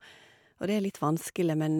Og det er litt vanskelig, men...